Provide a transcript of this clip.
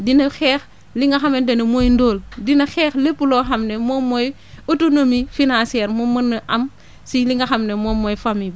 dina xeex li nga xamante ne mooy ndóol dina xeex lépp loo xam ne moom mooy autonomie financière mu mën a am si li nga xam ne moom mooy famille bi